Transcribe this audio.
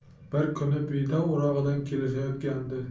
bir kuni beda o'rog'idan kelishayotgandi